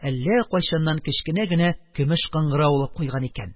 Әллә кайчаннан кечкенә генә көмеш кыңгырау алып куйган икән.